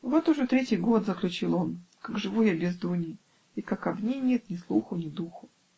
"Вот уже третий год, -- заключил он, -- как живу я без Дуни и как об ней нет ни слуху, ни духу.